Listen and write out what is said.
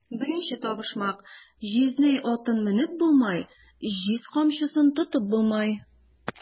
Беренче табышмак: "Җизнәй атын менеп булмай, җиз камчысын тотып булмай!"